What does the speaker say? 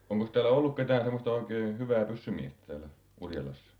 onkos täällä ollut ketään semmoista oikein hyvää pyssymiestä täällä Urjalassa